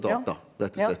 ja ja.